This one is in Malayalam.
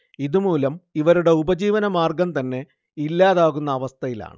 ഇതുമൂലം ഇവരുടെ ഉപജീവനമാർഗം തന്നെ ഇല്ലാതാകുന്ന അവസ്ഥയിലാണ്